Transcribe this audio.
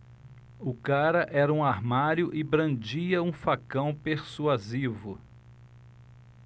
o cara era um armário e brandia um facão persuasivo